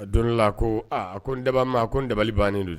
A don la ko aa a ko n da ma ko n dabali b'a nin don